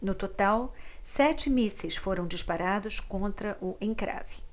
no total sete mísseis foram disparados contra o encrave